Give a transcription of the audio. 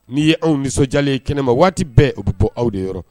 N'i ye anw nisɔndiyalen ye kɛnɛ ma waati bɛɛ o bɛ bɔ aw de yɔrɔ!